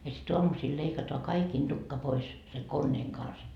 ja sitten aamusilla leikataan kaikkien tukka pois sen koneen kanssa